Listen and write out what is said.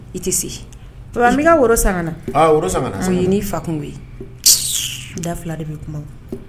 I tɛ se papa n b'i ka woro san kana aa woro san kana o ye i n'i fa kungo ye da fila de bɛ kuma o